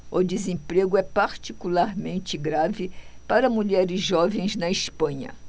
o desemprego é particularmente grave para mulheres jovens na espanha